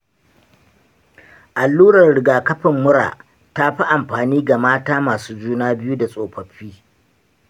allurar rigakafin mura ta fi amfani ga mata masu juna biyu da tsofaffi.